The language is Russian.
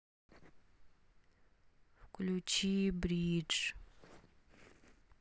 включи бридж